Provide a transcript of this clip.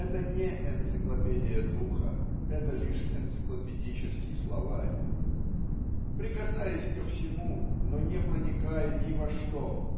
Это не "энциклопедия духа", это лишь энциклопедический словарь. Прикасаясь ко всему но не проникая ни во что